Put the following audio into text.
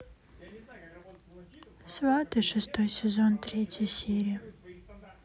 сваты шестой сезон третья серия